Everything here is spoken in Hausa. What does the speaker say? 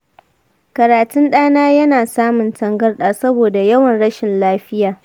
karatun ɗana yana samun tangarɗa saboda yawan rashin lafiya.